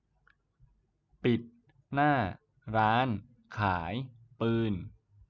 ปิดหน้าร้านขายปืน